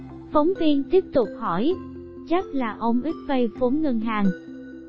phóng viên chắc là ông ít vay vốn ngân hàng